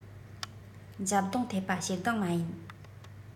འཇབ རྡུང ཐེབས པ ཞེ སྡང མ ཡིན